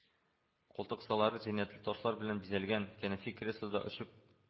Култыксалары зиннәтле ташлар белән бизәлгән кәнәфи-креслодан очып